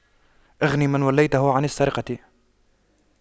أغن من وليته عن السرقة